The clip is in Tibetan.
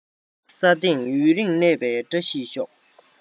ས སྟེང ཡུན རིང གནས པའི བཀྲ ཤིས ཤོག